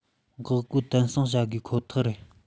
འགག སྒོ དམ སྲུང བྱ དགོས ཁོ ཐག རེད